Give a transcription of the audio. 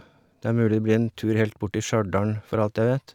Det er mulig det blir en tur helt bort til Stjørdalen, for alt jeg vet.